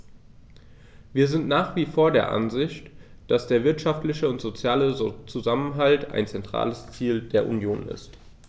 Wir sind nach wie vor der Ansicht, dass der wirtschaftliche und soziale Zusammenhalt ein zentrales Ziel der Union ist.